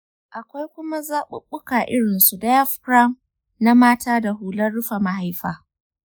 akwai kuma zaɓuɓɓuka irin su diaphragm na mata da hular rufe mahaifa.